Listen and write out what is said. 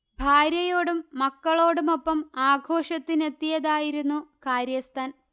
ഭാര്യയോടും മക്കളോടുമൊപ്പം ആഘോഷത്തിനെത്തിയതായിരുന്നു കാര്യസ്ഥനൻ